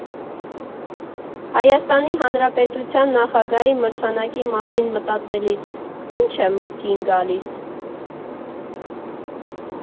Հայաստանի Հանրապետության նախագահի մրցանակի մասին մտածելիս ի՞նչ է մտքին գալիս։